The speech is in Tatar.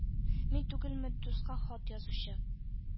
Мин түгелме дуска хат язучы,